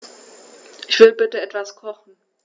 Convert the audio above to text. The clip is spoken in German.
Ich will bitte etwas kochen.